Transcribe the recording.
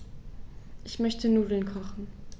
Ich möchte Nudeln kochen.